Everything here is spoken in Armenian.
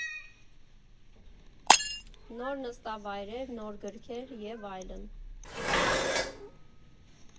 Նոր նստավայրեր, նոր գրքեր և այլն։